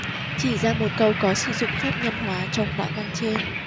chỉ ra một câu có sự dụng phép nhân hóa trong đoạn văn trên